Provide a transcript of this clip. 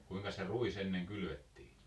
kuinkas se ruis ennen kylvettiin